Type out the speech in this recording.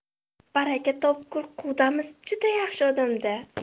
baraka topgur qudamiz juda yaxshi odam da